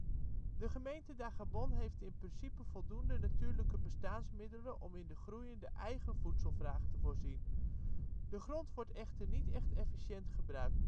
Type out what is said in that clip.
De gemeente Dajabón heeft in principe voldoende natuurlijke bestaansmiddelen op in de groeiende eigen voedselvraag te voorzien. De grond wordt echter niet echt efficient gebruikt